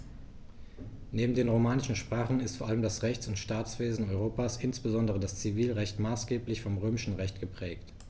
Neben den romanischen Sprachen ist vor allem das Rechts- und Staatswesen Europas, insbesondere das Zivilrecht, maßgeblich vom Römischen Recht geprägt.